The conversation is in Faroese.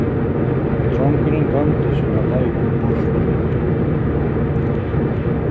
drongurin goymdi sínar leikur burtur